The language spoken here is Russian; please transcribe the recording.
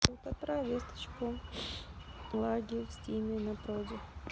салют отправь весточку лаги в стиме на проде